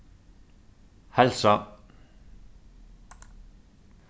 heilsa